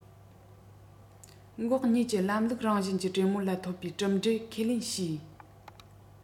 ངོགས གཉིས ཀྱི ལམ ལུགས རང བཞིན གྱི གྲོས མོལ ལ ཐོབ པའི གྲུབ འབྲས ཁས ལེན བྱས